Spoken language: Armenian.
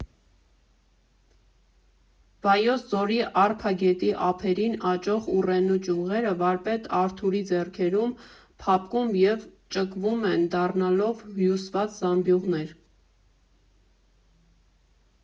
Վայոց ձորի Արփա գետի ափերին աճող ուռենու ճյուղերը վարպետ Արթուրի ձեռքերում փափկում և ճկվում են՝ դառնալով հյուսված զամբյուղներ։